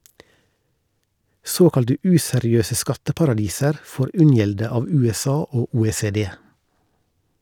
Såkalte useriøse skatteparadiser får unngjelde av USA og OECD.